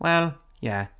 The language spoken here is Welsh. Wel ie.